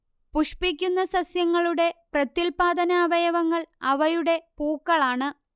പുഷ്പിക്കുന്ന സസ്യങ്ങളുടെ പ്രത്യുല്പാദനാവയവങ്ങൾ അവയുടെ പൂക്കളാണ്